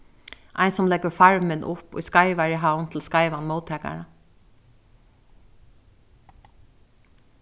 ein sum leggur farmin upp í skeivari havn til skeivan móttakara